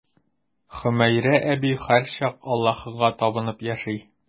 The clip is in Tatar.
Хөмәйрә әби һәрчак Аллаһыга табынып яши.